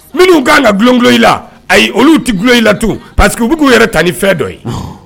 Minnu kan ka bulonlonlo i la a olu tɛ dulo i latu pari quebuguu yɛrɛ tan ni fɛn dɔ ye